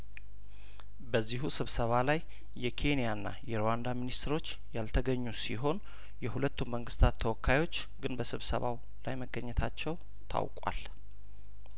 በዚሁ ስብሰባ ላይ የኬንያና የሩዋንዳ ሚኒስትሮች ያልተገኙ ሲሆን የሁለቱም መንግስታት ተወካዮች ግን በስብሰባው ላይ መገኘታቸው ታውቋል